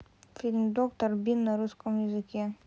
фильм доктор бин на русском языке